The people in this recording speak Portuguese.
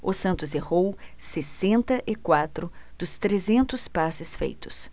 o santos errou sessenta e quatro dos trezentos passes feitos